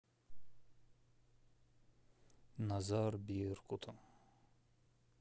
назар беркут